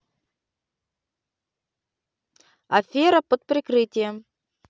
афера под прикрытием